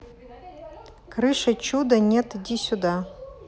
крыша чудо нет иди сюда